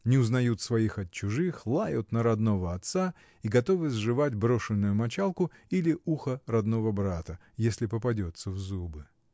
не узнают своих от чужих, лают на родного отца и готовы сжевать брошенную мочалку или ухо родного брата, если попадется в зубы.